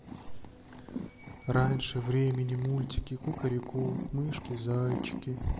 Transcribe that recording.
раньше времени мультики кукареку мышки зайчики